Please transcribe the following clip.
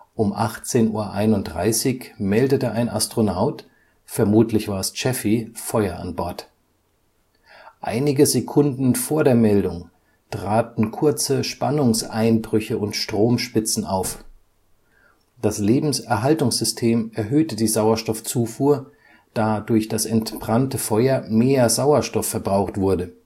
Um 18:31 Uhr meldete ein Astronaut – vermutlich war es Chaffee – Feuer an Bord. Einige Sekunden vor der Meldung traten kurze Spannungseinbrüche und Stromspitzen auf. Das Lebenserhaltungssystem erhöhte die Sauerstoffzufuhr, da durch das entbrannte Feuer mehr Sauerstoff verbraucht wurde